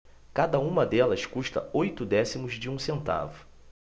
cada uma delas custa oito décimos de um centavo